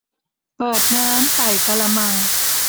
เปิดน้ำใส่กะละมัง